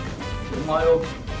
định ngoi lun